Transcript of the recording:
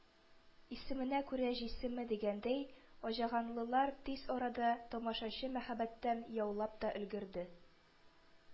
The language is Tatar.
Исеменә күрә – җисеме, дигәндәй, аҗаганлылар тиз арада тамашачы мәхәббәтән яулап та өлгерде